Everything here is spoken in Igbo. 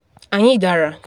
Anyị dara.